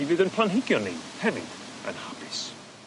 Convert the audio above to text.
mi fydd 'yn planhigion ni hefyd yn hapus.